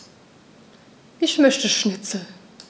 Ich möchte Schnitzel.